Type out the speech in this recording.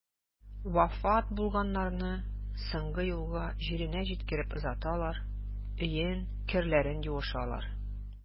Вафат булганнарны соңгы юлга җиренә җиткереп озаталар, өен, керләрен юышалар.